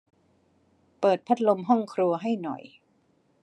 เปิดพัดลมห้องครัวให้หน่อย